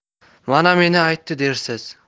mana meni aytdi dersiz